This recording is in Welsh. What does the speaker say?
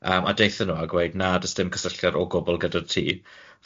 Yym a deuthon nw a gweud na does dim cysylltiad o gwbl gyda'r tŷ